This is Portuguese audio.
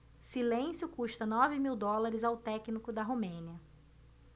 silêncio custa nove mil dólares ao técnico da romênia